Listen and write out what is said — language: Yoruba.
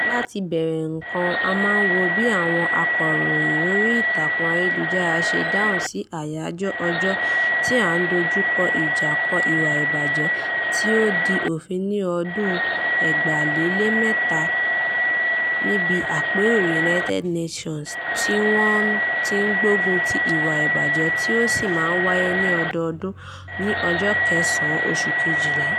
Láti bẹ̀rẹ̀ nǹkan a máa ń wo bí àwọn akọ̀ròyìn orí ìtàkùn ayélujára ṣe dáhùn sí àyájọ́ ọjọ́ tí à ń dójú ìjà kọ ìwà ibajẹ, tí ó di òfin ní ọdún 2003 níbi àpérò United Nations tí wọ́n tí ń gbógun ti ìwà ìbàjẹ́ tí ó sì máa ń wáyé ní ọdọọdún ní ọjọ́ kẹsàn-án oṣù Kejìlá.